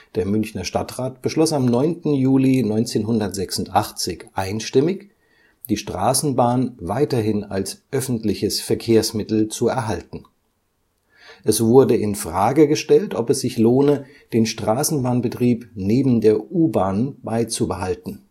Der Münchner Stadtrat beschloss am 9. Juli 1986 einstimmig, die Straßenbahn weiterhin als öffentliches Verkehrsmittel zu erhalten. Es wurde in Frage gestellt, ob es sich lohne, den Straßenbahnbetrieb neben der U-Bahn beizubehalten